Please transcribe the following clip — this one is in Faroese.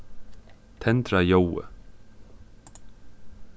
tendra ljóðið